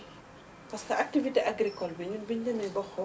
parce que activité agricole bi ñun bi ñu demee ba xool